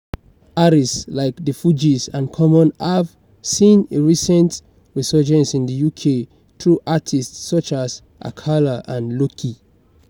Artists like The Fugees and Common have seen a recent resurgence in the UK through artists such as Akala and Lowkey.